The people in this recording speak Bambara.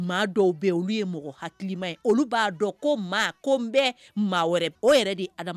Maa dɔw be ye olu ye mɔgɔ hakilima ye olu b'a dɔn ko maa ko n bɛ maa wɛrɛ b o yɛrɛ de ye adam